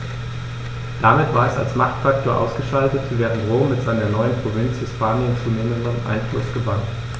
Damit war es als Machtfaktor ausgeschaltet, während Rom mit seiner neuen Provinz Hispanien zunehmend an Einfluss gewann.